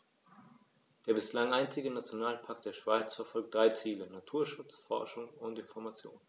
Der bislang einzige Nationalpark der Schweiz verfolgt drei Ziele: Naturschutz, Forschung und Information.